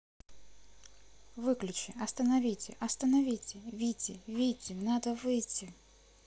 выключи остановите остановите вите вите надо выйти